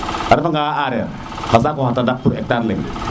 a refa ga areer xa saku xa tadaq pour hectar leng